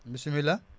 bisimilah